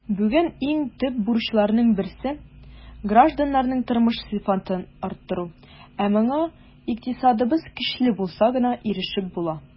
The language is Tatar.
Бүген иң төп бурычларның берсе - гражданнарның тормыш сыйфатын арттыру, ә моңа икътисадыбыз көчле булса гына ирешеп була.